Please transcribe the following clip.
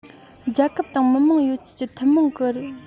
རྒྱལ ཁབ དང མི དམངས ཡོད ཚད ཀྱི ཐུན མོང གི རེ སྨོན ཡིན